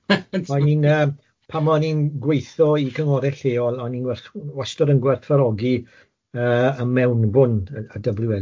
Ma'n i'n yy pan o'n i'n gweitho i cyngorau lleol o'n i'n gwerth- wastod yn gwerthfawrogi yy y mewnbwn y y double-you el gee ay